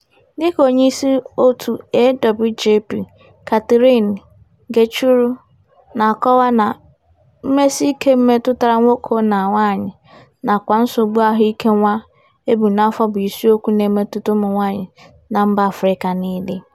Dịka onyeisi òtù AWJP, Catherine Gicheru na-akọwa na mmesiike metụtara nwoke na nwaanyị nakwa nsogbu ahụike nwa e bu n'afọ bụ isiokwu na-emetụta ụmụnwaanyị na mba Afrịka niile.